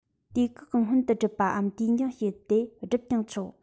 དུས བཀག གི སྔོན དུ སྒྲུབ པའམ དུས འགྱངས བྱས ཏེ བསྒྲུབས ཀྱང ཆོག